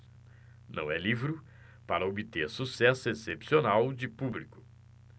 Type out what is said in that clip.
não é livro para obter sucesso excepcional de público